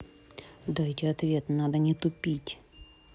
дайте ответ надо не тупить